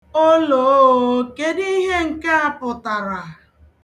Olooo! Kedụ ihe nke a pụtara?